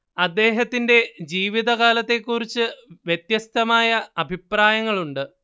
അദ്ദേഹത്തിന്റെ ജീവിതകാലത്തെക്കുറിച്ച് വ്യത്യസ്തമായ അഭിപ്രായങ്ങളുണ്ട്